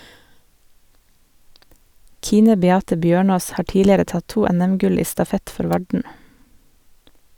Kine Beate Bjørnås har tidligere tatt to NM-gull i stafett for Varden.